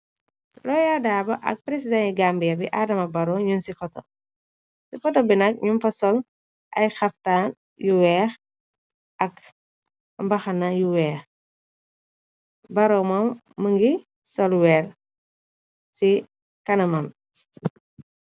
loya darboe ak president yi gambia bi adama barrow ñun ci foto, ci koto bi nak ñum fa sol ay xaftaan yu weex ak mbaxana yu weex , barrow mo më ngi sol weere ci kana mam.